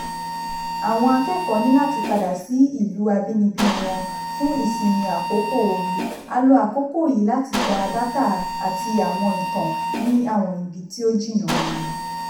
Àwọn akẹ́kọ̀ọ́ ní láti padà sí ìlú abínibí wọn fún ìsinmi àkókò ooru: a lo àkókò yìí láti gba dátà àti àwọn ìtàn ní àwọn ibi tí ó jìnà wọ̀nyí.